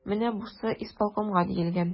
Менә бусы исполкомга диелгән.